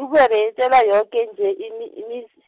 ukube beyetjelwa yoke nje imi- imiz- ,